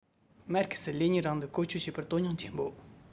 མར ཁེ སི ལེ ཉིན རིང ལུགས བཀོལ སྤྱོད བྱེད པར དོ སྣང ཆེན པོ